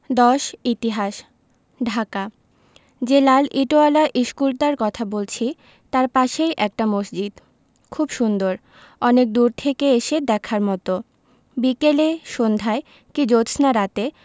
১০ ইতিহাস ঢাকা যে লাল ইটোয়ালা ইশকুলটার কথা বলছি তাই পাশেই একটা মসজিদ খুব সুন্দর অনেক দূর থেকে এসে দেখার মতো বিকেলে সন্ধায় কি জ্যোৎস্নারাতে